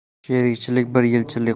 sherikchilik bir yilchilik